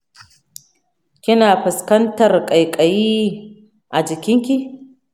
kina fuskantar ƙaiƙayi a jikin ki?